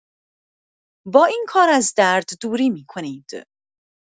با این کار از درد دوری می‌کنید.